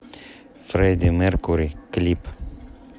freddie mercury клип